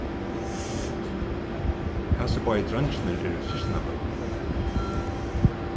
hasir báðir dreingirnir eru systkinabørn